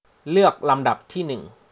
เลือกลำดับที่หนึ่ง